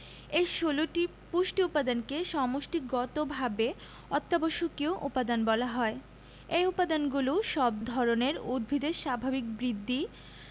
এ ১৬টি পুষ্টি উপাদানকে সমষ্টিগতভাবে অত্যাবশ্যকীয় উপাদান বলা হয় এই উপাদানগুলো সব ধরনের উদ্ভিদের স্বাভাবিক বৃদ্ধি